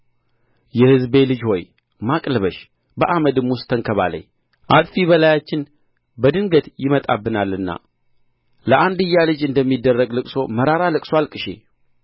የሕዝቤ ልጅ ሆይ ማቅ ልበሺ በአመድም ውስጥ ተንከባለዪ አጥፊ በላያችን በድንገት ይመጣብናልና ለአንድያ ልጅ እንደሚደረግ ልቅሶ መራራ ልቅሶ አልቅሺ